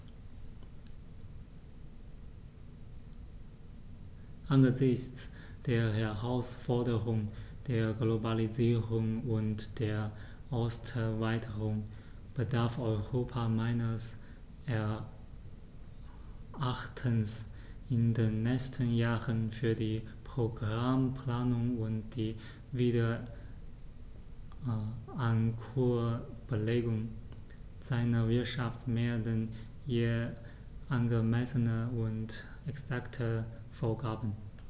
Angesichts der Herausforderung der Globalisierung und der Osterweiterung bedarf Europa meines Erachtens in den nächsten Jahren für die Programmplanung und die Wiederankurbelung seiner Wirtschaft mehr denn je angemessener und exakter Vorgaben.